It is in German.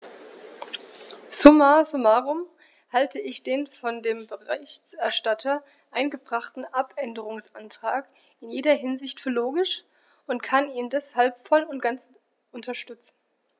Summa summarum halte ich den von dem Berichterstatter eingebrachten Abänderungsantrag in jeder Hinsicht für logisch und kann ihn deshalb voll und ganz unterstützen.